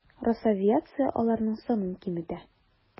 Росавиация аларның санын киметә.